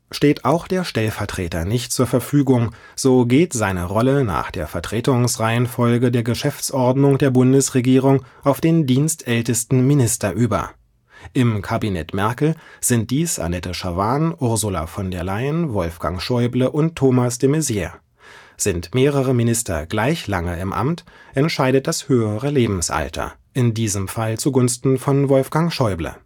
Steht auch der Stellvertreter nicht zur Verfügung, so geht seine Rolle nach der Vertretungsreihenfolge der Geschäftsordnung der Bundesregierung auf den dienstältesten Minister über. Im Kabinett Merkel sind dies Annette Schavan, Ursula von der Leyen, Wolfgang Schäuble und Thomas de Maizière. Sind mehrere Minister gleich lange im Amt, entscheidet das höhere Lebensalter, in diesem Fall zu Gunsten von Wolfgang Schäuble